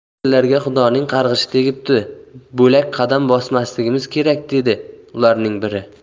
bu yerlarga xudoning qarg'ishi tegibdi bo'lak qadam bosmasligimiz kerak dedi ularning biri